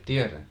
tiedän